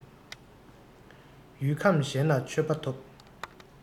ཡུལ ཁམས གཞན ན མཆོད པ ཐོབ